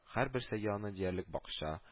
Һәрберсе яны диярлек бакча